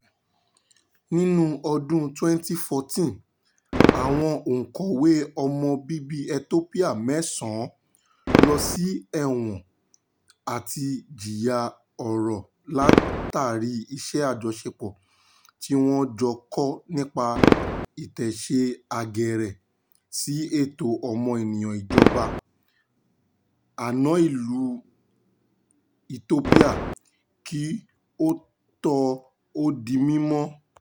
Ní ọdún 2014, àwọn òǹkọ̀wé ọmọ bíbí Ethiopia mẹ́sàn-án lọ sí ẹ̀wọ̀n àti jìyà oró látàrí iṣẹ́ àjọṣepọ̀ tí wọ́n jọ kọ nípa ìtẹsẹ̀ àgẹ̀rẹ̀ sí ẹ̀tọ́ ọmọ-ènìyàn ìjọba àná ìlú Ethiopia, kí òótọ́ ó di mímọ̀.